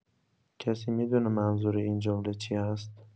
کسی می‌دونه منظور این جمله چی هست؟